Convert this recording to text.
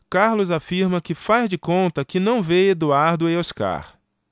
carlos afirma que faz de conta que não vê eduardo e oscar